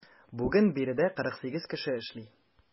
Бүген биредә 48 кеше эшли.